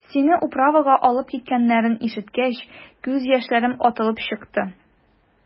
Сине «управа»га алып киткәннәрен ишеткәч, күз яшьләрем атылып чыкты.